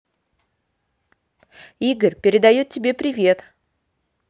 игорь передает тебе привет